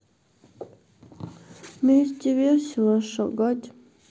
вместе весело шагать